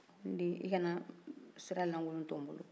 n den i kana sira lankolon to n bolo